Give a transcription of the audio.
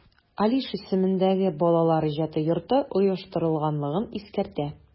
Алиш исемендәге Балалар иҗаты йорты оештырганлыгын искәртә.